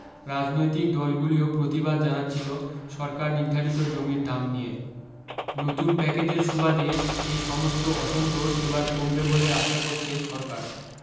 রাজনৈতিক দল গুলিও প্রতিবাদ জানাচ্ছিল সরকার নির্ধারিত জমির দাম নিয়ে নতুন প্যাকেজের সুবাদে এই সমস্ত অসন্তোষ এবার কমবে বলে আশা করছে সরকার